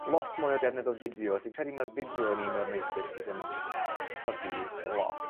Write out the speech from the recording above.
Lot mwy o defnydd o fideo dwi'n credu ma'r fideo yn un o'r meysydd sydd yn tyfu lot.